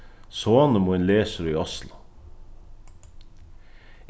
sonur mín lesur í oslo